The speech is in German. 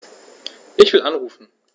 Ich will anrufen.